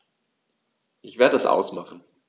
Ich werde es ausmachen